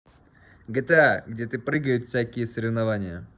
gta где ты прыгают всякие соревнования